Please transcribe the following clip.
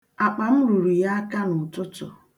Akpa m ruru ya aka n'ụtụtụ.